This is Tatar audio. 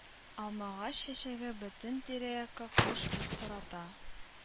Алмагач чәчәге бөтен тирә-якка хуш ис тарата.